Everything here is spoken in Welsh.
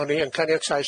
'Na ni yn caniatáu.